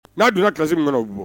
N'a donna classe min ŋɔnɔ o be bɔ